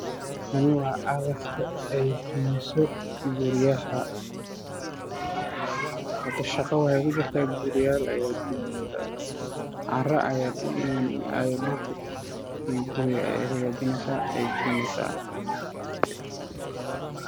Waa cagaf cagaf midafkeedu yahay jaalo nin ayaa saaran guriceel ka dambeeyo shabaab ayaa ka danbeeyo